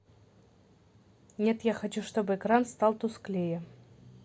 нет я хочу чтобы экран стал тусклее